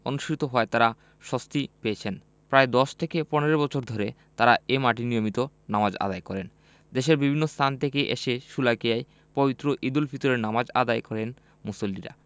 অনুষ্ঠিত হওয়ায় তাঁরা স্বস্তি পেয়েছেন তাঁরা জানান প্রায় ১০ থেকে ১৫ বছর ধরে তাঁরা এ মাঠে নিয়মিত নামাজ আদায় করেন দেশের বিভিন্ন স্থান থেকে এসে শোলাকিয়ায় পবিত্র ঈদুল ফিতরের নামাজ আদায় করেন মুসল্লিরা